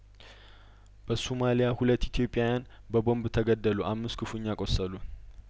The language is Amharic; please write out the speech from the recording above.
በሶማሊያ ሁለት ኢትዮጵያን በቦምብ ተገደሉ አምስት ክፉኛ ቆሰሉ